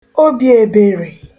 obìèbèrè